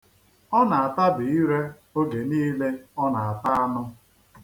Ọ na-atabi ire oge niile ọ na-ata anụ.